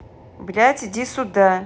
блядь иди сюда